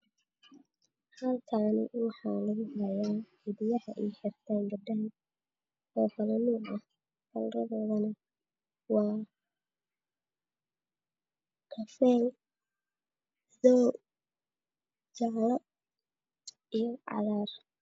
Halkaan gabdha kalarkeedu waa cafee cadaan jaalo iyo cagaar